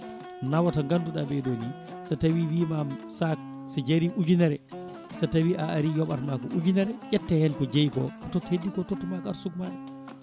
nawa to ganduɗa ɓeeɗo ni so tawi wiimam sac so jaari ujunere so tawi a ari yoɓatma ko ujunere ƴetta hen ko jeeyi ka totta ko heddi ko tottuma ko arsugue maɗa